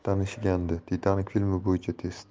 tanishgandi titanik filmi bo'yicha test